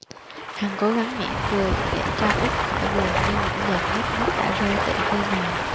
hằng cố gắng nhoẻn cười để cho út khỏi buồn nhưng những giọt nước mắt đã rơi tự khi nào